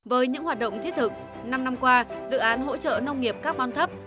với những hoạt động thiết thực năm năm qua dự án hỗ trợ nông nghiệp các bon thấp